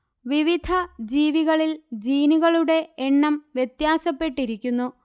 വിവിധ ജീവികളിൽ ജീനുകളുടെ എണ്ണം വ്യത്യാസപ്പെട്ടിരിക്കുന്നു